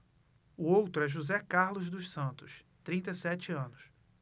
o outro é josé carlos dos santos trinta e sete anos